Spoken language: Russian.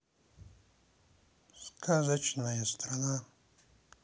сказочная страна